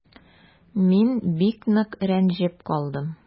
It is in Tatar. Мин бик нык рәнҗеп калдым.